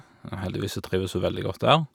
Og heldigvis så trives hun veldig godt der.